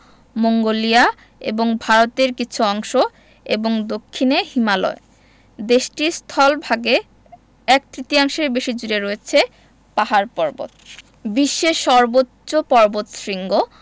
Mongolia এবং ভারতের কিছু অংশ এবং দক্ষিনে হিমালয় দেশটির স্থলভাগে একতৃতীয়াংশের বেশি জুড়ে রয়ছে পাহাড়পর্বত বিশ্বের সর্বোচ্চ পর্বতশৃঙ্গ